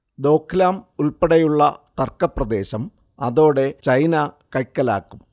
ദോഘ്ലാം ഉൾപ്പെടെയുള്ള തർക്കപ്രദേശം അതോടെ ചൈന കൈക്കലാക്കും